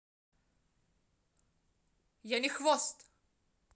я не хвост